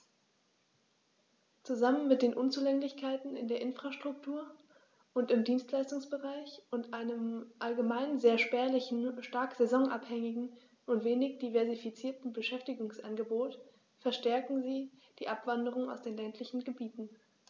Zusammen mit den Unzulänglichkeiten in der Infrastruktur und im Dienstleistungsbereich und einem allgemein sehr spärlichen, stark saisonabhängigen und wenig diversifizierten Beschäftigungsangebot verstärken sie die Abwanderung aus den ländlichen Gebieten.